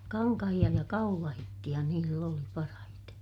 kankaita ja kaulahisia niillä oli parhaiten